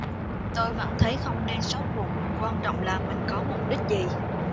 tôi vẫn thấy không nên suốt ruột quan trọng là mình có mục đích gì